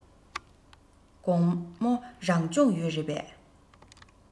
དགོང མོ རང སྦྱོང ཡོད རེད པས